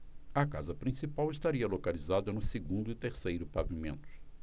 a casa principal estaria localizada no segundo e terceiro pavimentos